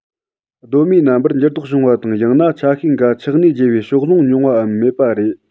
གདོད མའི རྣམ པར འགྱུར ལྡོག བྱུང བ དང ཡང ན ཆ ཤས འགའི ཆགས གནས བརྗེ བའི ཕྱོགས ལྷུང ཉུང བའམ མེད པ རེད